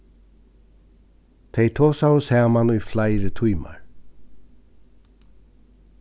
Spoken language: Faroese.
tey tosaðu saman í fleiri tímar